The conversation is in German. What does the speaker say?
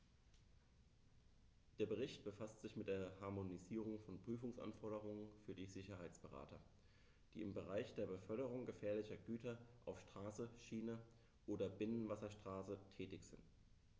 Der Bericht befasst sich mit der Harmonisierung von Prüfungsanforderungen für Sicherheitsberater, die im Bereich der Beförderung gefährlicher Güter auf Straße, Schiene oder Binnenwasserstraße tätig sind.